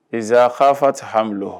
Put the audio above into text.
N k' fa tɛ haan bololɔ